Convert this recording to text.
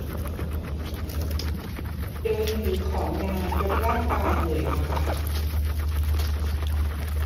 เดินถือของนานจนร่างกายเหนื่อยล้า